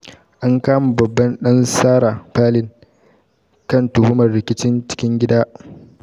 An kama babban dan Sarah Palin kan tuhumar rikicin cikin gida